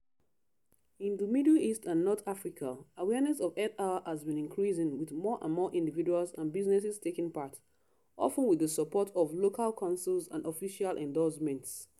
In the Middle East and North Africa, awareness of Earth Hour has been increasing with more and more individuals and businesses taking part, often with the support of local councils and official endorsement.